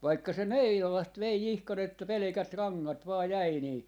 vaikka se Meirolasta vei ihan että pelkät rangat vain jäi niin